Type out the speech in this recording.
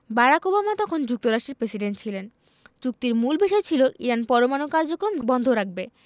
Barack Obama তখন যুক্তরাষ্ট্রের president ছিলেন চুক্তির মূল বিষয় ছিল ইরান পরমাণু কার্যক্রম বন্ধ রাখবে